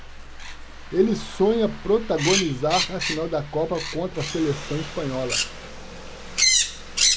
ele sonha protagonizar a final da copa contra a seleção espanhola